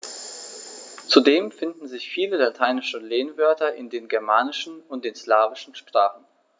Zudem finden sich viele lateinische Lehnwörter in den germanischen und den slawischen Sprachen.